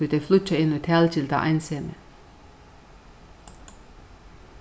tí tey flýggja inn í talgilda einsemið